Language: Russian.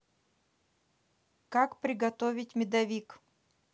как приготовить медовик